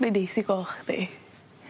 Mae neis i gwel' chdi.